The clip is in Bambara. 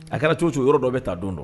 A kɛra cogo cogo yɔrɔ dɔ bɛ taa don dɔn